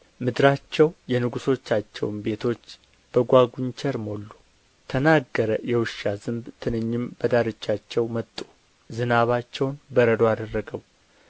ምድራቸው የንጉሦቻቸውም ቤቶች በጓጕንቸር ሞሉ ተናገረ የውሻ ዝንብ ትንኝም በዳርቻቸው መጡ ዝናባቸውን በረዶ አደረገው